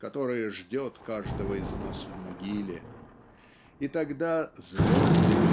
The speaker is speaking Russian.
которое ждет каждого из нас в могиле" и тогда "звезды